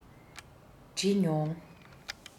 འདྲི མྱོང